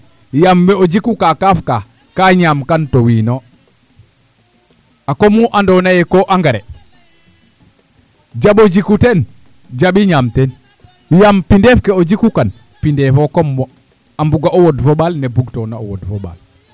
yaam wee o jikukaa kaaf kaa kaa ñaamkan too wiin oo, a kom nu andoona yee koo engrais jaɓ o jiku teen jaɓi ñaam teen yaam pindeef ke o jikukan pindeef fo comme wo' a mbugaa o wod fo ɓaal ne bugtoona o wod fo'o ɓaal